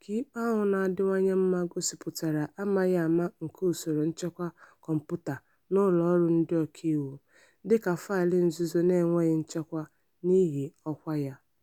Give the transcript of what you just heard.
ka ikpe ahụ na-adịwanye mma gosịpụtara amaghị ama nke usoro nchekwa kọmputa n'ụlọọrụ ndị ọkàiwu, dịka faịlụ nzuzo n'enweghị nchekwa n'ihi ọkwa ya.